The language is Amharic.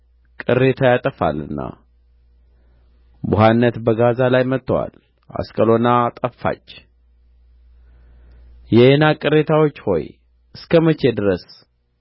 ቅሬታ ያጠፋልና ቡሀነት በጋዛ ላይ መጥቶአል አስቀሎና ጠፋች የዔናቅ ቅሬታዎች ሆይ እስከ መቼ ድረስ